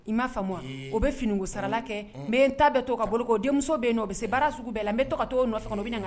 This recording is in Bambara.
I maa faamu o bɛ finiku sararala kɛ n bɛ ta bɛ to ka boloko denmuso bɛ yen o bɛ se bara sugu bɛɛ la n bɛ to ka to o